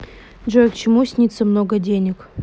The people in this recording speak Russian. джой к чему снится много денег